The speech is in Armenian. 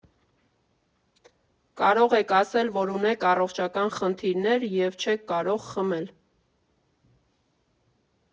Կարող եք ասել, որ ունեք առողջական խնդիրներ և չեք կարող խմել։